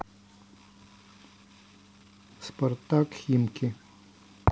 спартак химки